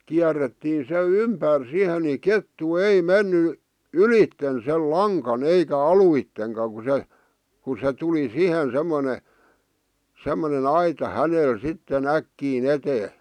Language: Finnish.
kierrettiin se ympäri siihen niin kettu ei mennyt ylitse sen langan eikä alitsekaan kun se kun se tuli siihen semmoinen semmoinen aita hänelle sitten äkkiä eteen